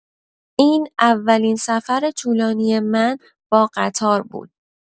این اولین سفر طولانی من با قطار بود.